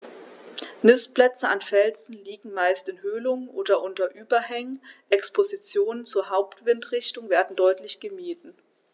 Nistplätze an Felsen liegen meist in Höhlungen oder unter Überhängen, Expositionen zur Hauptwindrichtung werden deutlich gemieden.